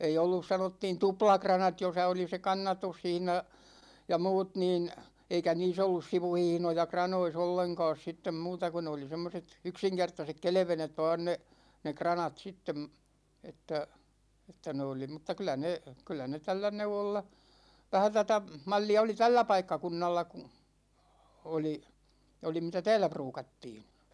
ei ollut sanottiin tuplakranat jossa oli se kannatushihna ja muut niin eikä niissä ollut sivuhihnoja kranoissa ollenkaan sitten muuta kun ne oli semmoiset yksinkertaiset kelvenet vain ne ne kranat sitten että että ne oli mutta kyllä ne kyllä ne tällä neuvolla vähän tätä mallia oli tällä paikkakunnalla kun oli ja oli mitä täällä ruukattiin